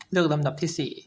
เลือกลำดับที่สี่